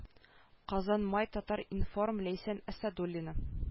Казан май татар-информ ләйсән әсәдуллина